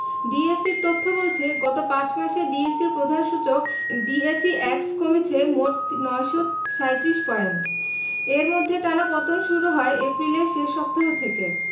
ডিএসইর তথ্য বলছে গত ৫ মাসে ডিএসইর প্রধান সূচক ডিএসইএক্স কমেছে মোট ৯৩৭ পয়েন্ট এর মধ্যে টানা পতন শুরু হয় এপ্রিলের শেষ সপ্তাহ থেকে